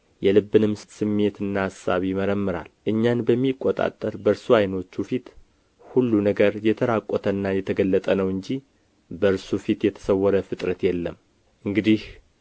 የልብንም ስሜትና አሳብ ይመረምራል እኛን በሚቆጣጠር በእርሱ ዓይኖቹ ፊት ሁሉ ነገር የተራቆተና የተገለጠ ነው እንጂ በእርሱ ፊት የተሰወረ ፍጥረት የለም እንግዲህ